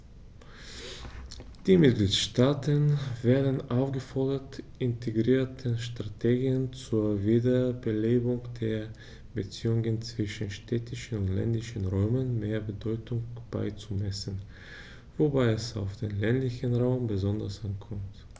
Die Mitgliedstaaten werden aufgefordert, integrierten Strategien zur Wiederbelebung der Beziehungen zwischen städtischen und ländlichen Räumen mehr Bedeutung beizumessen, wobei es auf den ländlichen Raum besonders ankommt.